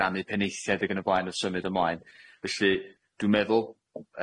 rannu peneithiaid ag yn y blaen a symud ymlaen felly dwi'n meddwl